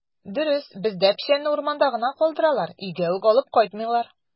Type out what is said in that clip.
Дөрес, бездә печәнне урманда гына калдыралар, өйгә үк алып кайтмыйлар.